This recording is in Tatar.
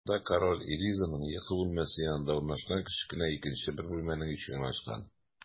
Шунда король Элизаның йокы бүлмәсе янында урнашкан кечкенә икенче бер бүлмәнең ишеген ачкан.